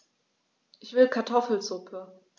Ich will Kartoffelsuppe.